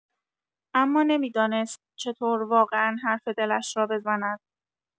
اما نمی‌دانست چطور واقعا حرف دلش را بزند.